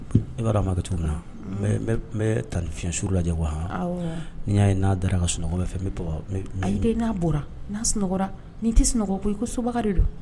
I'a ban makɛ cogo min na n bɛ tan fisiw lajɛ ko n'i y'a n'a da ka sunɔgɔ bɛ fɛ n bɛ tɔgɔ n'a bɔra n'a sunɔgɔ n'i tɛ sunɔgɔ ko i ko soba de do